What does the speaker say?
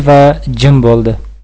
va jim bo'ldi